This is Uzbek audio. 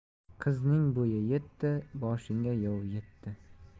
qizning bo'yi yetdi boshingga yov yetdi